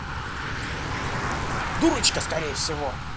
дурачка скорее